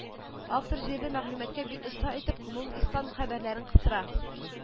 Автор җирле мәгълүматка бик оста итеп гомум ислам хәбәрләрен кыстыра